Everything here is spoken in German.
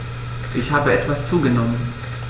Ich habe etwas zugenommen